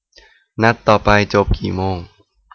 นัดต่อไปจบกี่โมง